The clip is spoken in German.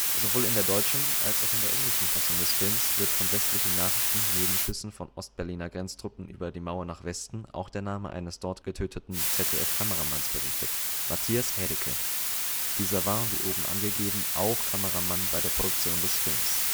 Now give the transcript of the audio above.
Sowohl in der deutschen, als auch in der englischen Fassung des Films wird von westlichen Nachrichten neben Schüssen von Ost-Berliner Grenztruppen über die Mauer nach Westen auch der Name eines dort getöteten ZDF-Kameramanns berichtet: " Matthias Haedecke ". Dieser war wie oben angegeben auch Kameramann bei der Produktion des Films